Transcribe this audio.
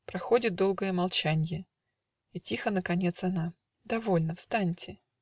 Проходит долгое молчанье, И тихо наконец она: "Довольно; встаньте.